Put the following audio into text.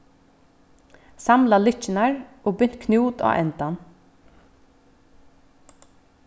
samla lykkjurnar og bint knút á endan